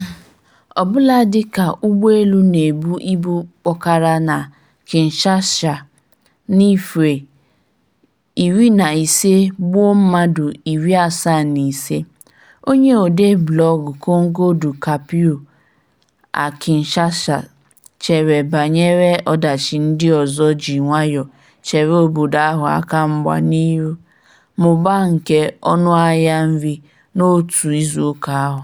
Ọbụladị ka ụgbọelu na-ebu ibu kpọkara na Kinshasa n'Eprel 15 gbuo mmadụ 75, onye odee blọọgụ Congo Du Cabiau à Kinshasa, chere banyere ọdachi ndị ọzọ ji nwaayọ cheere obodo ahụ akamgba n'ihu: mmụba nke ọnụahịa nri n'otu izuụka ahụ.